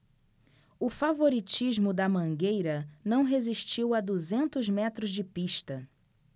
o favoritismo da mangueira não resistiu a duzentos metros de pista